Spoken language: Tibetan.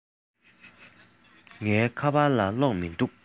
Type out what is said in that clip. ངའི ཁ པར ལ གློག མིན འདུག